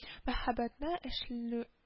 Мәһәббәтне үчлүү